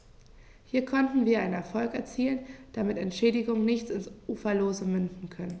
Hier konnten wir einen Erfolg erzielen, damit Entschädigungen nicht ins Uferlose münden können.